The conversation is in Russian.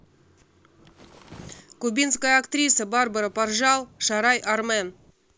кубинская актриса барбара поржал шарай армен